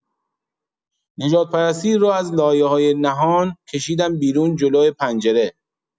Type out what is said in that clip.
نژادپرستی رو از لایه‌های نهان کشیدن بیرون جلو پنجره.